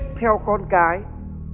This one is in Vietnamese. theo con cái